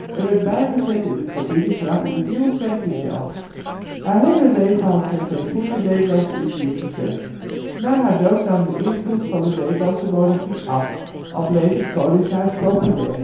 en werd bijgezet in het familiegraf in de Nieuwe Kerk in Delft. Haar hele leven had zij geen voet in Nederlands-Indië gezet. Na haar dood nam de invloed van de Nederlandse monarchie af, al bleef het koningshuis populair